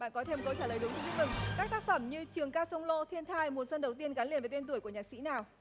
bạn có thêm câu trả lời đúng xin chúc mừng các tác phẩm như trường ca sông lô thiên thai mùa xuân đầu tiên gắn liền với tên tuổi của nhạc sĩ nào